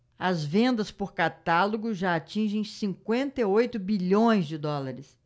as vendas por catálogo já atingem cinquenta e oito bilhões de dólares